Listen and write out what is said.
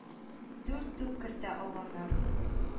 Дүрт туп кертә алганнар.